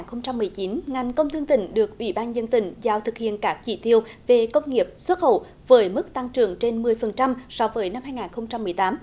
không trăm mười chín ngành công thương tỉnh được ủy ban dân tỉnh giao thực hiện các chỉ tiêu về công nghiệp xuất khẩu với mức tăng trưởng trên mười phần trăm so với năm hai ngàn không trăm mười tám